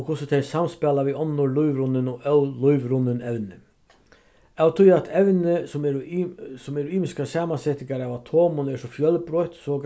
og hvussu tey samspæla við onnur lívrunnin og ólívrunnin evni av tí at evni sum eru sum eru ymiskar samansetingar av atomum eru so fjølbroytt so